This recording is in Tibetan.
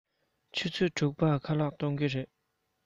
ཕྱི དྲོ ཆུ ཚོད དྲུག པར ཁ ལག གཏོང གི རེད